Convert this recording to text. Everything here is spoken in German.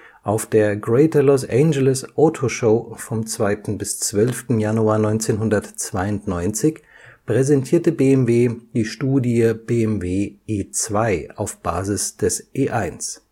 Auf der Greater Los Angeles Auto Show vom 2. – 12. Januar 1992 präsentierte BMW die Studie BMW E2 auf Basis des E1